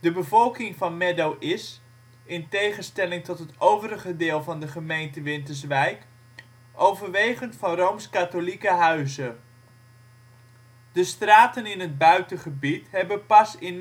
De bevolking van Meddo is, in tegenstelling tot het overige deel van de gemeente Winterswijk, overwegend van rooms-katholieke huize. De straten in het buitengebied hebben pas in